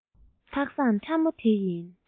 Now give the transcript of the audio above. ཐག ཟམ ཕྲ མོ དེ ཡིན